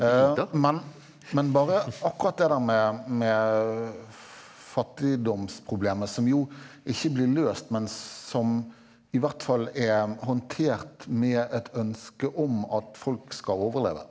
men men bare akkurat det der med med fattigdomsproblemet som jo ikke blir løst men som i hvert fall er håndtert med et ønske om at folk skal overleve.